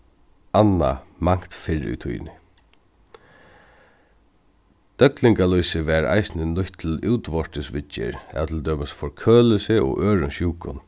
annað mangt fyrr í tíðini døglingalýsi varð eisini nýtt til at útvortis viðgerð av til dømis av forkølilsi og øðrum sjúkum